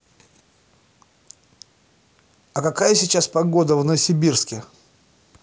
а какая сейчас погода в новосибирске